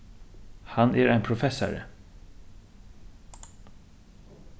hann er ein professari